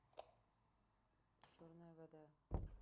черная вода